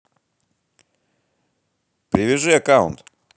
привяжи аккаунт